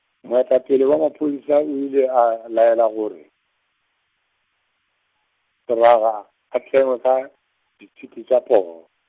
moetapele wa maphodisa o ile a laela gore, Seraga, a tlengwe ka, ditšhipi tša poo.